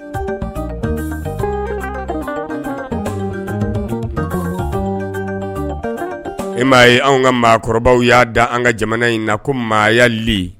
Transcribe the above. E maa ye an ka mɔgɔkɔrɔbaw y'a da an ka jamana in na ko maayali